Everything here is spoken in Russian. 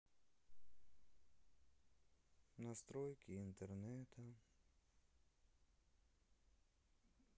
настройки интернета